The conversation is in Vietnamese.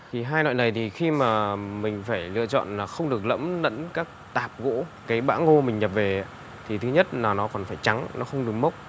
thì hai loại này thì khi mà mình phải lựa chọn là không được lẫm lẫn các tạp gỗ cái bã ngô mình nhập về thì thứ nhất là nó còn phải trắng nó không được mốc